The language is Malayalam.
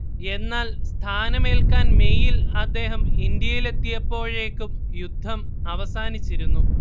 എന്നാൽ സ്ഥാനമേൽക്കാൻ മേയിൽ അദ്ദേഹം ഇന്ത്യയിലെത്തിയപ്പോഴേക്കും യുദ്ധം അവസാനിച്ചിരുന്നു